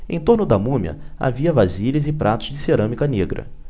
em torno da múmia havia vasilhas e pratos de cerâmica negra